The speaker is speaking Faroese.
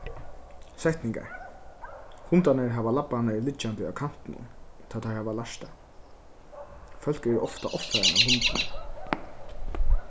setningar hundarnir hava labbarnar liggjandi á kantinum tá teir hava lært tað fólk eru ofta ovfarin av hundunum